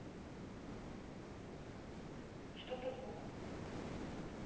что по звуку